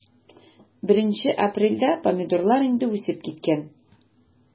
1 апрельдә помидорлар инде үсеп киткән.